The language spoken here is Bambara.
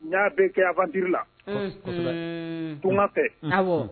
N y'a bɛ kɛyatiri la tun fɛ a